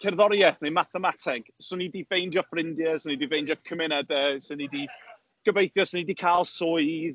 Cerddoriaeth neu mathemateg, 'swn i 'di ffeindio ffrindie, 'swn i 'di ffeindio cymunedau, 'swn i 'di... gobeithio 'swn i 'di cael swydd.